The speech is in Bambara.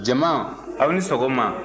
jama aw ni sɔgɔma